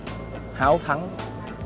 háo thắng